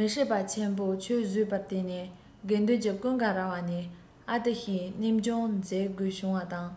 མེ ཧྲི པ ཆེན པོ ཁྱོད བཟོས པར བརྟེན ནས དགེ འདུན གྱི ཀུན དགའ རྭ བ ནས ཨ ཏི ཤས གནས འབྱུང མཛད དགོས བྱུང བ དང